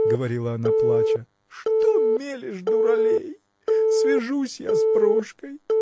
– говорила она плача, – что мелешь, дуралей! Свяжусь я с Прошкой!